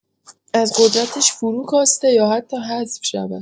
از قدرتش فرو کاسته یا حتی حذف شود